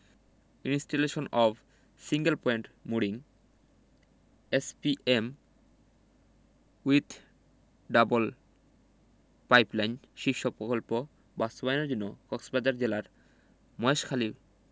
installation of single point mooring SPM with double pipeline শীর্ষক প্রকল্প বাস্তবায়নের জন্য কক্সবাজার জেলার মহেশখালী